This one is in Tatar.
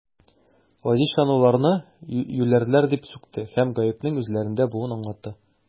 Лозищанлыларны юләрләр дип сүкте һәм гаепнең үзләрендә булуын аңлатты.